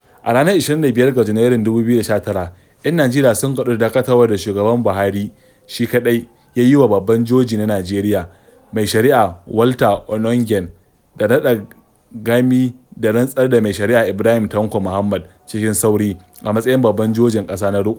A ranar 25 ga Janairun 2019, 'yan Najeriya sun kaɗu da dakatarwar da shugaban Buhari shi kaɗai, ya yi wa babban joji na Najeriya, mai shari'a Walter Onnoghen, da naɗa gami da rantsar da mai shari'a Ibrahim Tanko Muhammad cikin sauri, a matsayin baban jojin ƙasa na riƙo.